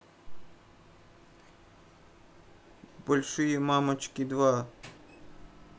большие мамочки два